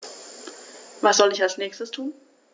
Was soll ich als Nächstes tun?